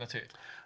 'Na ti.